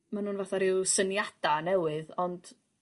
...ma' nw'n fatha ryw syniada newydd ond